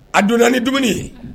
A donna ni dumuni